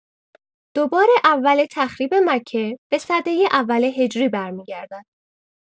دو بار اول تخریب مکه به سدۀ اول هجری برمی‌گردد.